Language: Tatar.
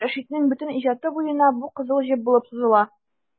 Рәшитнең бөтен иҗаты буена бу кызыл җеп булып сузыла.